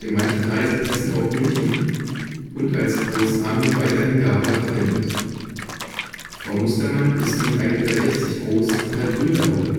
manchen Reisepässen auch München) und als Geburtsname weiterhin Gabler verwendet. Frau Mustermann ist nun 1,60 Meter groß und hat grüne Augen